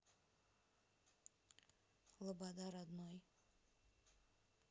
лобода родной